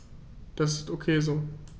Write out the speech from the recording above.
Das ist ok so.